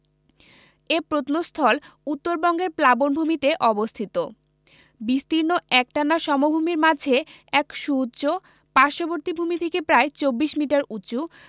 এ প্রত্নস্থল উত্তরবঙ্গের প্লাবনভূমিতে অবস্থিত বিস্তীর্ণ একটানা সমভূমির মাঝে এক সুউচ্চ পার্শ্ববর্তী ভূমি থেকে প্রায় ২৪ মিটার উঁচু